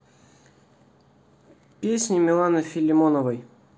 песни миланы филимоновой